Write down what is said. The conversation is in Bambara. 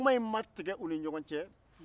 kuma in ma tigɛ i ni ɲɔgɔn cɛ